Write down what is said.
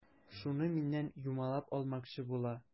Шуны миннән юмалап алмакчы була.